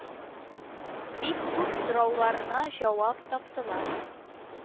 Бик күп сорауларына җавап таптылар